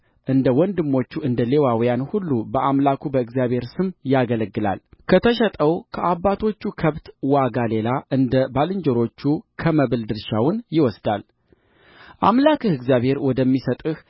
እንደ ወንድሞቹ እንደ ሌዋውያን ሁሉ በአምላኩ በእግዚአብሔር ስም ያገለግላል ከተሸጠው ከአባቶቹ ከብት ዋጋ ሌላ እንደ ባልንጀሮቹ ከመብል ድርሻውን ይወስዳል አምላክህ እግዚአብሔር ወደሚሰጥህ